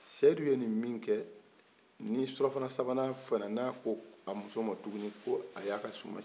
seyidu ye nin min kɛ ni surɔfana sabanan fɛna n'a ko a muso man tuguni ko a y'a ka suman cɛn